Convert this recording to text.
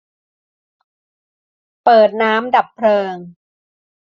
เปิดน้ำดับเพลิง